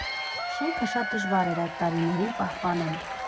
Շենքը շատ դժվար էր այդ տարիներին պահպանել։